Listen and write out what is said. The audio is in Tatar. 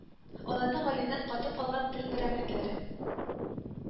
Аларны галимнәр катып калган тел берәмлекләре